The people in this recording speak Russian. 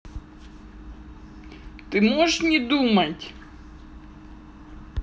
ты можешь не думать